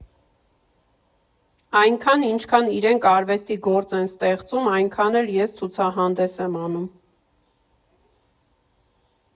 Այնքան, ինչքան իրենք արվեստի գործ են ստեղծում, այնքան էլ ես ցուցահանդես եմ անում։